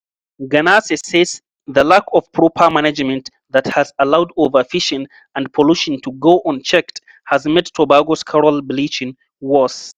Ganase says the lack of proper management that has allowed overfishing and pollution to go unchecked has made Tobago's coral bleaching worse.